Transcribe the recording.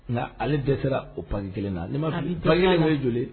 Ŋa ale dɛsɛra o paquet 1 na ni ma fili a be dɛs'a la paquet 1 kun ye joli ye